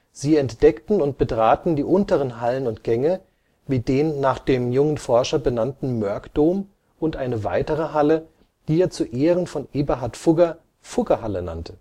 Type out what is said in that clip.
Sie entdeckten und betraten die unteren Hallen und Gänge wie den nach dem jungen Forscher benannten Mörkdom und eine weitere Halle, die er zu Ehren von Eberhard Fugger Fuggerhalle nannte